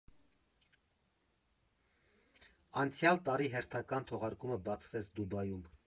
Անցյալ տարի հերթական թողարկումը բացվեց Դուբայում։